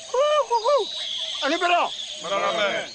Ko ko ko ani bɛ